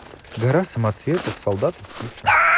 гора самоцветов солдат и птица